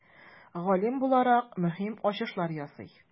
Галим буларак, мөһим ачышлар ясый.